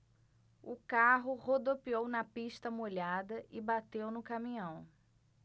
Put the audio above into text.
o carro rodopiou na pista molhada e bateu no caminhão